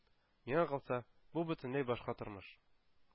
Миңа калса, бу – бөтенләй башка тормыш.